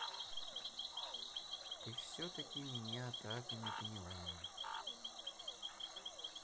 ты все таки меня так и не поняла